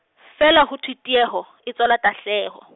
feela ho thwe tieho, e tswala tahleho.